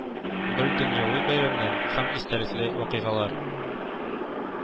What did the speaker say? Бер дөньяви бәйрәмнәр һәм истәлекле вакыйгалар